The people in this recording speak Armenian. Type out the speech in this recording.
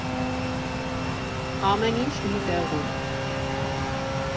Ամեն ինչ մի տեղում։